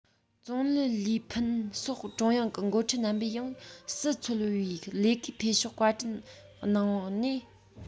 ཙུང ལི ལིས ཕུན སོགས ཀྲུང དབྱང གི འགོ ཁྲིད རྣམ པས ཡང སྲིད འཚོལ བའི ལས ཀའི འཕེལ ཕྱོགས བཀའ འདྲི གནང ནས